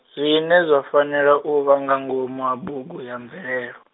zwine zwa fanela u vha nga ngomu ha bugu ya mvelelo.